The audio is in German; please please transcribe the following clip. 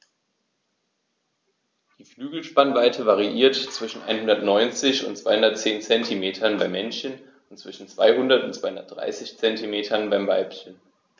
Die Flügelspannweite variiert zwischen 190 und 210 cm beim Männchen und zwischen 200 und 230 cm beim Weibchen.